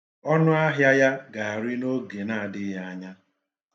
Ọnụahịa ya ga-arị n'oge na-adịghị anya.